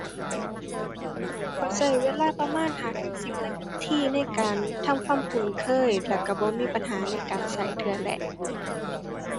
ข้อยใช้เวลาประมาณห้าถึงสิบนาทีในการทำความคุ้นเคย แล้วใช้บ่มีปัญหาในการใช้เทื่อแรก